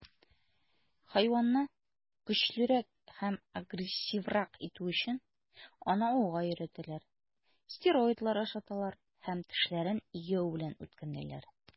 Хайванны көчлерәк һәм агрессиврак итү өчен, аны ауга өйрәтәләр, стероидлар ашаталар һәм тешләрен игәү белән үткенлиләр.